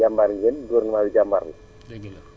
te yéen jàmbaar ngeen gouvernement bi jàmbaar la